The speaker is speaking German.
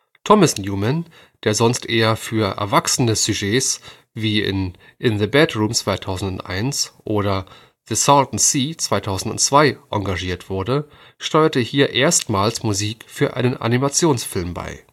Thomas Newman, der sonst eher für erwachsene Sujets wie in In the Bedroom (2001) oder The Salton Sea (2002) engagiert wurde, steuerte hier erstmals die Musik zu einem Animationsfilm bei